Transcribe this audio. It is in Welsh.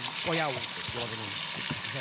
go iawn 'lly, dwi'n gwybod bod nhw o gwmpas y lle,